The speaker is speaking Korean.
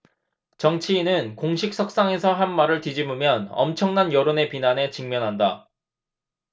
정치인은 공식 석상에서 한 말을 뒤집으면 엄청난 여론의 비난에 직면한다